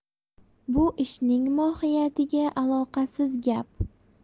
bu ishning mohiyatiga aloqasiz gap